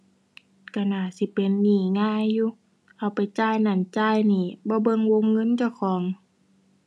ก็น่าสิเป็นหนี้ง่ายอยู่ เอาไปจ่ายนั่นจ่ายนี่ บ่เบิ่งวงเงินเจ้าของ